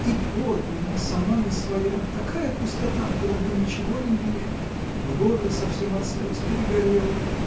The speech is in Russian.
И подлинно сама не своя: такая пустота в голове, ничего не вижу! в горле совсем от слез перегорело.